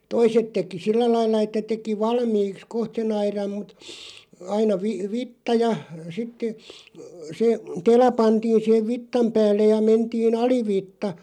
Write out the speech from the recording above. toiset teki sillä lailla että teki valmiiksi kohta sen aidan mutta aina - vitsa ja sitten se tela pantiin siihen vitsan päälle ja mentiin alivitsa